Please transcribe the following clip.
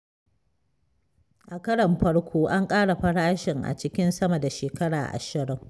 A karon farko an ƙara farashin a cikin sama da shekara ashirin.